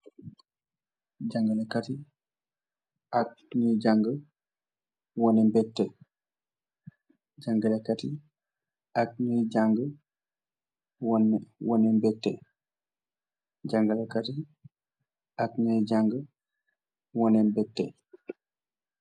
Jangalekatye ak nuye jange waneh mbecteh, jangalekatye ak nuye jange waneh mbecteh, jangalekatye ak nuye jange waneh mbecteh.